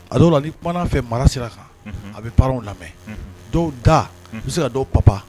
A don la ni kuma fɛ mara sira kan a bɛ pan lamɛn dɔw da n bɛ se ka don pap